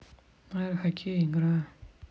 аэрохоккей игра